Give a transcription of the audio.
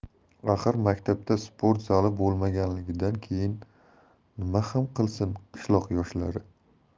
axir maktabda sport zali bo'lmaganidan keyin nima ham qilsin qishloq yoshlari